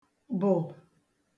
bụ̀